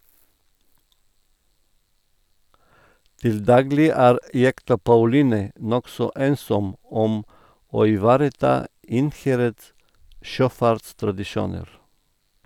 Til daglig er jekta "Pauline" nokså ensom om å ivareta Innherreds sjøfartstradisjoner.